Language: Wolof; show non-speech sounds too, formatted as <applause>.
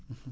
<hesitation> <hesitation>